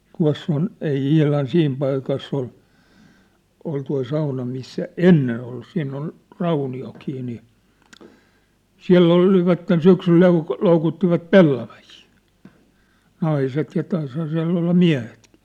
tuossa on ei ihan siinä paikassa oli oli tuo sauna missä ennen ollut siinä on rauniotkin niin siellä olivat syksyllä - loukuttivat pellavia naiset ja taisihan siellä olla miehetkin